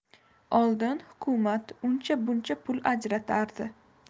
oldin hukumat uncha buncha pul ajratardi